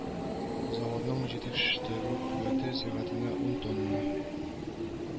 Заводның җитештерү куәте сәгатенә ун тонна